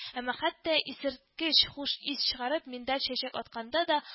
Әмма хәтта исерткеч хуш ис чыгарып миндаль чәчәк атканда да